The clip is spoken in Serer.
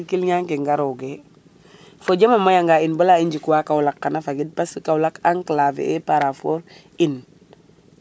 parce que client ke ngaro ge fojem a maye nga bala i njik wa kaolack xana fangiɗ parce que kaolack enclaver e in